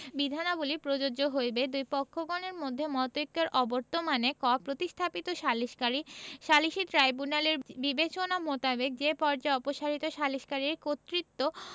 বিধানাবলী প্রযোজ্য হইবে ২ পক্ষগণের মধ্যে মতৈক্যের অবর্তমানে ক প্রতিস্থাপিত সালিসকারী সালিসী ট্রাইব্যুনালের বিচেনা মোতাবেক যে পর্যায়ে অপসারিত সালিসকারীর কর্তৃক্ব